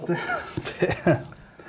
det det.